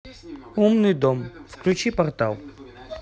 умный дом выключи портал